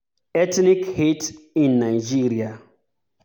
Ethnic hate in Nigeria